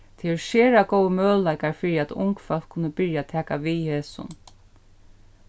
tað eru sera góðir møguleikar fyri at ung fólk kunnu byrja at taka við hesum